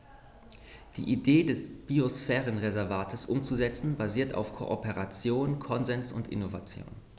Die Idee des Biosphärenreservates umzusetzen, basiert auf Kooperation, Konsens und Innovation.